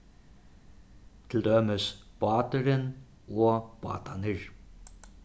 til dømis báturin og bátarnir